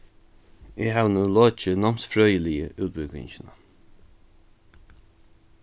eg havi nú lokið námsfrøðiligu útbúgvingina